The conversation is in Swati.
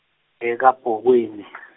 Kabokweni.